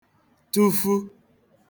tufu